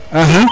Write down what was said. axa